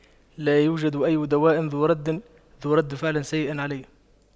لا يوجد أي دواء ذو رد ذو رد فعل سيء علي